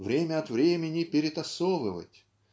время от времени перетасовывать"